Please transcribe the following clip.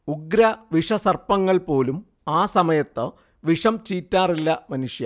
ഉഗ്രവിഷസർപ്പങ്ങൾ പോലും ആ സമയത്ത് വിഷം ചീറ്റാറില്ല മനുഷ്യാ